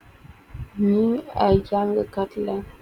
Ni ay janga katleen.